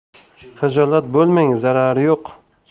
xijolat bo'lmang zarari yo'q